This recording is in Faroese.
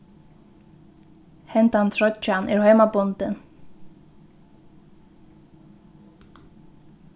henda troyggjan er heimabundin